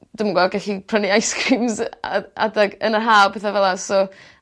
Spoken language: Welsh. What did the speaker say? dw'm 'n g'od gallu prynu ice creams yy adeg yn y ha' a petha fel 'a so